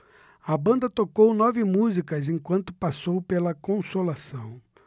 a banda tocou nove músicas enquanto passou pela consolação